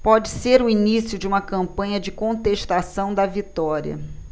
pode ser o início de uma campanha de contestação da vitória